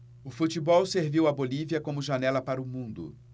o futebol serviu à bolívia como janela para o mundo